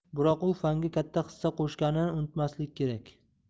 biroq u fanga katta hissa qo'shganini unutmaslik kerak